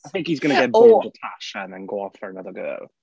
I think he's going to get bored of Tasha and then go off for another girl.